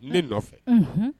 Ne nɔ fɛ, unhun